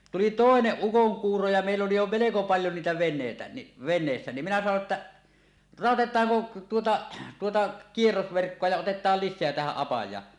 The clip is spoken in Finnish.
tuli toinen ukonkuuro ja meillä oli jo melko paljon niitä veneitä niin veneessä niin minä sanoin että raotetaanko tuota tuota kierrosverkkoa ja otetaan lisää tähän apajaan